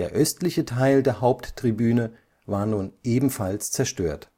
östliche Teil der Haupttribüne war nun ebenfalls zerstört